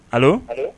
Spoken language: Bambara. A